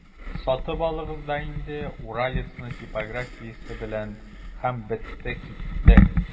Сатып алыгыз да инде «Уралец»ны типографиясе белән, һәм бетте-китте!